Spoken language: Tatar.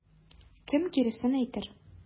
Кем киресен әйтер?